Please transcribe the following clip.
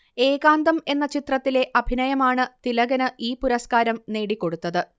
ഏകാന്തം എന്ന ചിത്രത്തിലെ അഭിനയമാണു തിലകന് ഈ പുരസ്കാരം നേടിക്കൊടുത്തത്